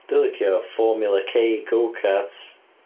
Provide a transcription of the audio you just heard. Dwi'n licio formula K go-karts.